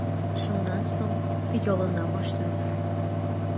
Шуннан соң ялына башлыйлар.